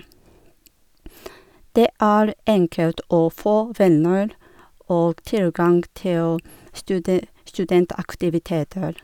Det er enkelt å få venner og tilgang til stude studentaktiviteter.